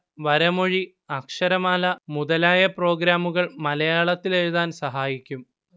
വരമൊഴി അക്ഷരമാല മുതലായ പ്രോഗ്രാമുകൾ മലയാളത്തിൽ എഴുതാൻ സഹായിക്കും